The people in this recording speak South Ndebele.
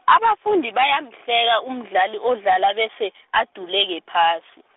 abafundi bayamhleka umdlali odlala bese , aduleke phasi.